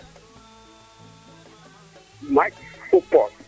maac fo pooɗ